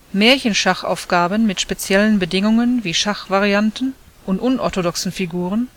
Märchenschachaufgaben mit speziellen Bedingungen wie Schachvarianten und unorthodoxen Figuren